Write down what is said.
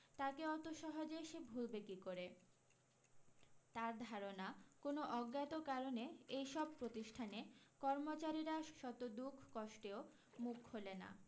তাকে অত সহজে সে ভুলবে কী করে তার ধারণা কোনো অজ্ঞাত কারণে এই সব প্রতিষ্ঠানে কর্মচারীরা শত দুখ কষ্টেও মুখ খোলে না